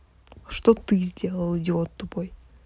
а что ты сделал идиот тупой